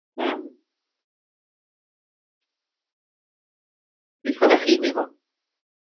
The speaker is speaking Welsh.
Yym beth fyddech chi'n meddwl?